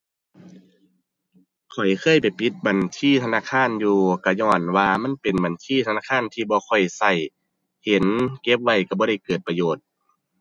ข้อยเคยได้ปิดบัญชีธนาคารอยู่ ก็ญ้อนว่ามันเป็นบัญชีธนาคารที่บ่ค่อยก็ เห็นเก็บไว้ก็บ่ได้เกิดประโยชน์